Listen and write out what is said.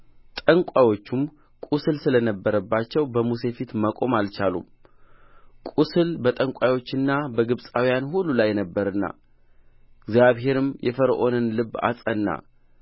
ጠንቋዮችም ቍስል ስለ ነበረባቸው በሙሴ ፊት መቆም አልቻሉም ቍስል በጠንቋዮችና በግብፃያን ሁሉ ላይ ነበረና እግዚአብሔርም የፈርዖንን ልብ አጸና